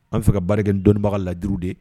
An fɛ ka baarakɛ dɔnnibaga lajuru de